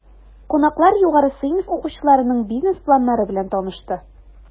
Кунаклар югары сыйныф укучыларының бизнес планнары белән танышты.